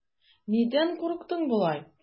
Нидән курыктың болай?